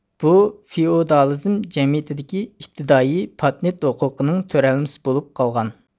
بۇ فېئودالىزم جەمئىيىتىدىكى ئىپتىدائىي پاتېنت ھوقۇقىنىڭ تۆرەلمىسى بولۇپ قالغان